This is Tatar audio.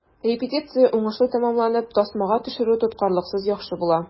Репетиция уңышлы тәмамланып, тасмага төшерү тоткарлыксыз яхшы була.